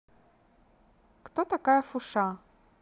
кто такая фуша